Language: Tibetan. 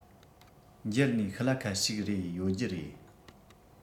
འགྱེལ ནས ཤི ལ ཁད ཞིག རེད ཡོད རྒྱུ རེད